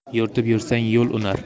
yo'rtib yursang yo'l unar